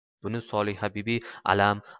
buni solihabibi alam